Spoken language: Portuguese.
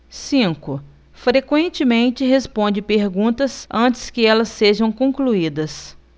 cinco frequentemente responde perguntas antes que elas sejam concluídas